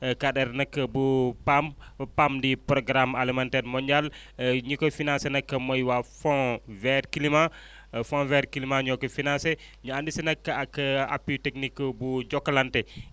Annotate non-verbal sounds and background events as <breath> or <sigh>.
4R nag bu PAM PAM di programme alimentaire mondial <breath> ñi ko financé nag mooy waa Fonds vers climat <breath> fonds vers climat ñoo ko financé ñu ànd si nag ak <hesitation> appui technique bu Jokalante <breath>